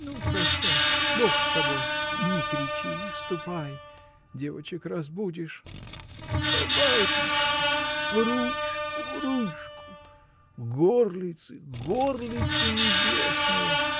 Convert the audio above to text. Ну прощай, Бог с тобой: не кричи, ступай, девочек разбудишь! — Матушка, ручку, ручку! горлицы, горлицы небесные.